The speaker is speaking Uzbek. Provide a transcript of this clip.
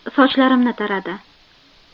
sochlarimni taradi